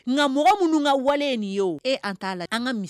Nka mɔgɔ minnu ka wale ye nin ye wo, e a' t'a la an ka mis